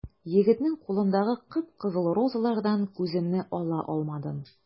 Егетнең кулындагы кып-кызыл розалардан күземне ала алмадым.